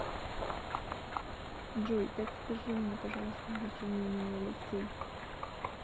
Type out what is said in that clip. джой так скажи мне пожалуйста значение имени алексей